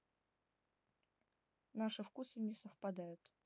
наши вкусы не совпадают